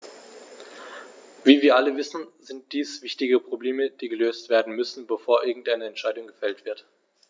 Wie wir alle wissen, sind dies wichtige Probleme, die gelöst werden müssen, bevor irgendeine Entscheidung gefällt wird.